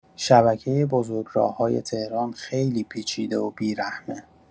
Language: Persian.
شبکه بزرگراه‌های تهران خیلی پیچیده و بیرحمه.